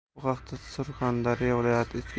bu haqda surxondaryo viloyati ichki